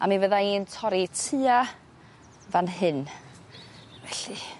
a mi fydda i'n torri tua fan hyn felly.